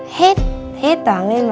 hét hét toáng lên